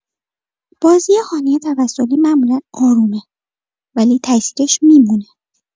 بازی هانیه توسلی معمولا آرومه ولی تاثیرش می‌مونه.